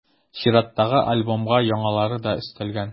Чираттагы альбомга яңалары да өстәлгән.